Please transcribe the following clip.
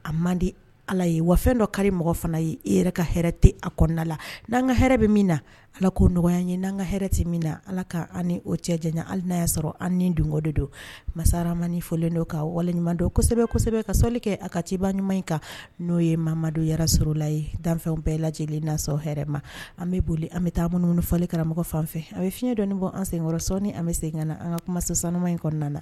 A man di ala ye wa fɛn dɔ kari fana ye e yɛrɛ ka hɛrɛ te a kɔnɔna la n'an ka hɛrɛ bɛ min na ala k koo nɔgɔya ye n'an ka hɛrɛte min na ala ka an ni o cɛ jan hali n'a y'a sɔrɔ an ni don de don masamani fɔlen don ka waliɲuman don kosɛbɛsɛbɛ ka sɔli kɛ a ka ciba ɲuman in kan n'o ye mamadu yɛrɛsɔrɔla ye danfɛnw bɛɛ lajɛ lajɛlen nasɔɛ ma an bɛ boli an bɛ taa ŋ fɔlikara mɔgɔ fan fɛ a bɛ fiɲɛ dɔn bɔ an senkɔrɔ sɔ an bɛ segin an ka sanu in kɔnɔna na